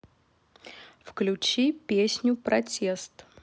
включи песню протест